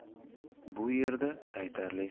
bu yerda aytarli